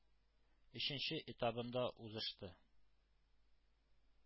Өченче этабында узышты.